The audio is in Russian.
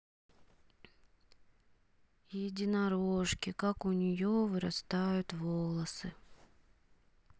единорожки как у нее вырастают волосы